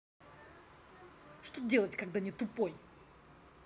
что делать когда не тупой